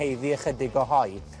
haeddu ychydig o hoe.